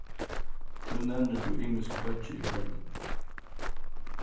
nú nevnir tú ymisk øki í føroyum